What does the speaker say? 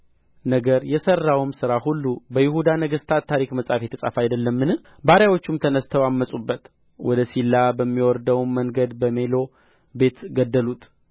ነገር የሠራውም ሥራ ሁሉ በይሁዳ ነገሥታት ታሪክ መጽሐፍ የተጻፈ አይደለምን ባሪያዎቹም ተነሥተው ዐመፁበት ወደ ሲላ በሚወርደውም መንገድ በሚሎ ቤት ገደሉት